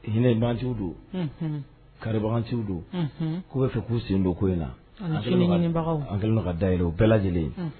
Hinɛwanci don karibagaganciw don k'u bɛ fɛ k'u sen don ko in nabagaw kelen ka dayiy o bɛɛ lajɛlen